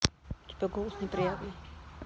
у тебя голос неприятный